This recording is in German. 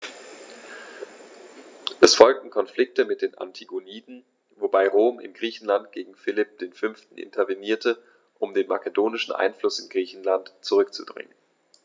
Es folgten Konflikte mit den Antigoniden, wobei Rom in Griechenland gegen Philipp V. intervenierte, um den makedonischen Einfluss in Griechenland zurückzudrängen.